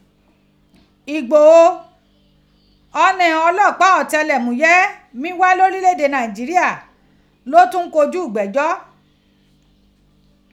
Igboho, oni ighan ọlọpaa ọtẹlẹmuyẹ mi gha lorilẹ ede Naijiria lo tun n koju igbẹjọ.